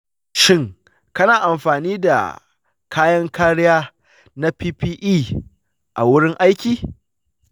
shin kana amfani da kayan kariya na ppe a wurin aiki?